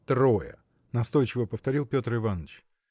– Трое, – настойчиво повторил Петр Иваныч.